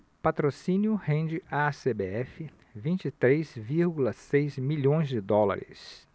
patrocínio rende à cbf vinte e três vírgula seis milhões de dólares